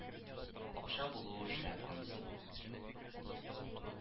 Акча булуы шәп анысы